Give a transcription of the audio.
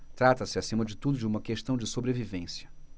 trata-se acima de tudo de uma questão de sobrevivência